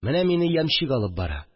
Менә мине ямщик алып бара